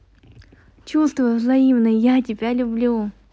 чувства взаимные я люблю тебя